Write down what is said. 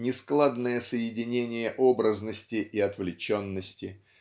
нескладное соединение образности и отвлеченности